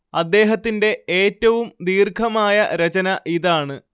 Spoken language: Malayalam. അദ്ദേഹത്തിന്റെ ഏറ്റവും ദീർഘമായ രചന ഇതാണ്